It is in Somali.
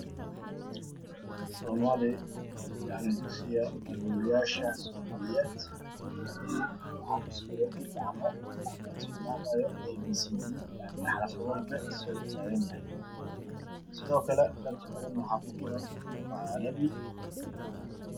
Waxaa meeshan iga muuqda xuruufta luqada soomaaliga iyo xurufta luuqada carabiga